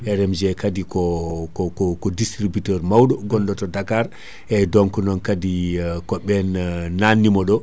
RMG kaadi ko ko ko distributeur mawɗo gonɗo to Dakar eyyi donc non kaadi ko ɓeen nanimo ɗo